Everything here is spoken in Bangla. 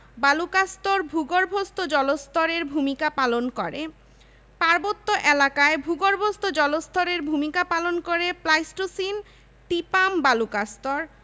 বালুকাস্তর ভূগর্ভস্থ জলস্তরের ভূমিকা পালন করে পার্বত্য এলাকায় ভূগর্ভস্থ জলস্তরের ভূমিকা পালন করে প্লাইসটোসিন টিপাম বালুকাস্তর